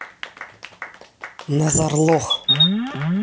nazar лох